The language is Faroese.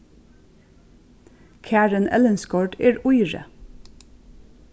karin ellingsgaard er íri